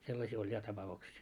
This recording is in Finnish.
sellaisia oli ja tapauksia